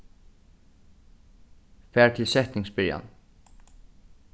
far til setningsbyrjan